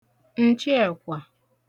ǹchiẹ̀kwà